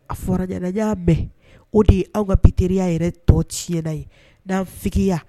A fɔra y'a mɛn o de ye an ka ptiriya yɛrɛ tɔ ti na ye n'an fya